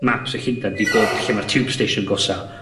maps o Llundan 'di gweld lle ma'r tiwb steisiwn gosa'